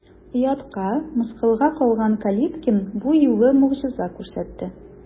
Оятка, мыскылга калган Калиткин бу юлы могҗиза күрсәтте.